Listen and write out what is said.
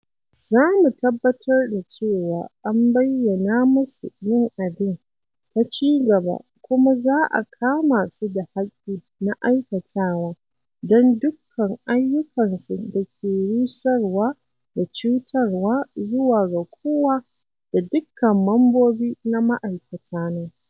Za mu tabbatar da cewa an bayyana masu yin abin, ta ci gaba, "kuma za a kama su da haƙƙi na aikatawa don dukkan ayukansu da ke rusarwa da cutarwa zuwa ga kowa da dukkan mambobi na ma'aikatana."